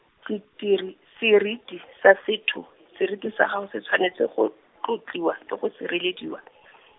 setiri, seriti sa setho, seriti sa gago se tshwanetse go, tlotliwa, le go sirelediwa .